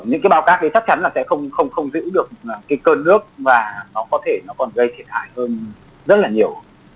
những cái bao cát ý chắc chắn là sẽ không không không giữ được những cơn nước và nó có thể nó còn gây thiệt hại hơn rất là nhiều